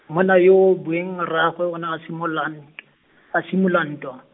monna yo o bong rraagwe o ne a simollan- , a simolola ntwa.